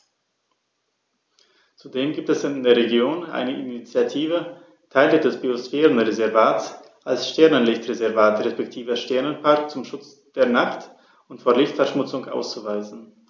Zudem gibt es in der Region eine Initiative, Teile des Biosphärenreservats als Sternenlicht-Reservat respektive Sternenpark zum Schutz der Nacht und vor Lichtverschmutzung auszuweisen.